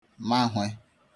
ma hwe